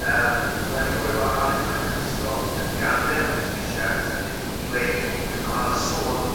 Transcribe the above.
yym ma' raid ni cofio bod Alexabder Kristoff yn gad'el Katusha ac yn symud i You Ai Ee a ma' 'na sôn